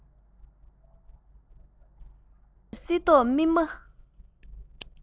མཁུར ཚོས སིལ ཏོག སྨིན མ